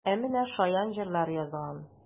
Ә менә шаян җырлар язган!